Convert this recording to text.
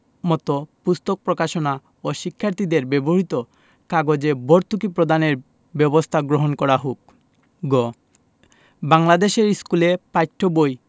মত পুস্তক প্রকাশনা ও শিক্ষার্থীদের ব্যবহৃত কাগজে ভর্তুকি প্রদানের ব্যবস্থা গ্রহণ করা হোক গ বাংলাদেশের স্কুলে পাইঠ্য বই